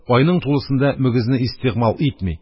Айның тулысында мөгезене истигъмаль итми